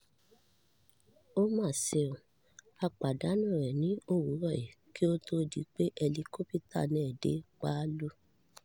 Ó mà ṣe o, a pàdánù rẹ̀ ní òwúrọ̀ yìí kí ó tó di pé hẹlikópítà náà dé Palu.